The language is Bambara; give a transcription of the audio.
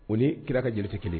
O ni kira ka jelikɛ kelen